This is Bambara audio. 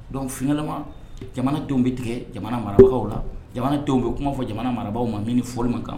Dɔn fiɲɛ jamana denw bɛ tigɛ jamana marabagawkaw la jamana dɔw bɛ u kuma fɔ jamana marabagaw ma min ni fɔlɔ ma kan